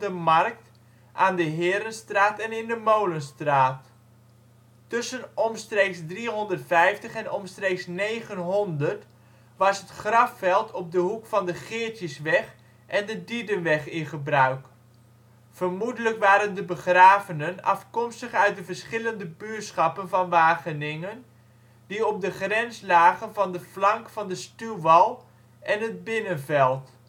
Markt, aan de Heerenstraat en in de Molenstraat. Tussen omstreeks 350 en omstreeks 900 was het grafveld op de hoek van de Geertjesweg en de Diedenweg in gebruik. Vermoedelijk waren de begravenen afkomstig uit de verschillende buurschappen van Wageningen, die op de grens lagen van de flank van de stuwwal en het Binnenveld